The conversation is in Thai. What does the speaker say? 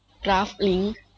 กราฟลิ้ง